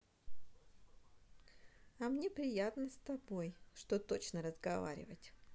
а мне приятно с тобой что точно разговаривать